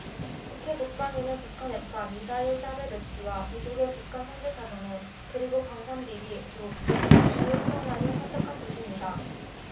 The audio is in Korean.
국회 국방위는 북한 핵과 미사일 사드 배치와 미국의 북한 선제타격론 그리고 방산비리 의혹 등 주요 현안이 산적한 곳입니다